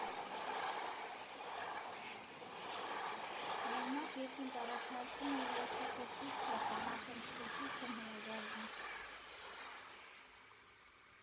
Օրինակ, երբ ինձ առաջարկվում է երշիկով պիցցա կամ ասենք՝ սուշի, չեմ հրաժարվում։